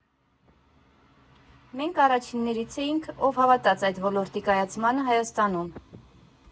Մենք առաջիններից էինք, ով հավատաց այդ ոլորտի կայացմանը Հայաստանում.